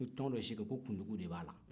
u ye tɔn dɔw sigi kuntigi de b'a la